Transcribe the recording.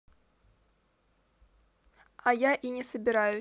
а я и не собираюсь